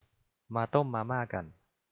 มาต้มมาม่ากัน